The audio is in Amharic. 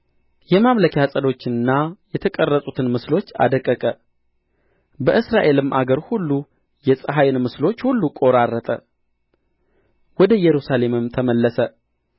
የማምለኪያ ዐፀዶቹንና የተቀረጹትን ምስሎች አደቀቀ በእስራኤልም አገር ሁሉ የፀሐይን ምስሎች ሁሉ ቈራረጠ ወደ ኢየሩሳሌምም ተመለሰ